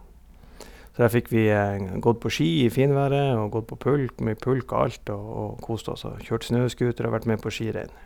Så der fikk vi gått på ski i finværet og gått på pulk med pulk og alt og og kost oss og kjørt snøskuter og vært med på skirenn.